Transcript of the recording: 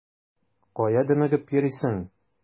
Кая дөмегеп йөрисең?